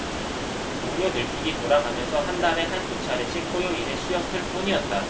동료들끼리 돌아가면서 한 달에 한 두 차례씩 토요일에 쉬었을 뿐이었다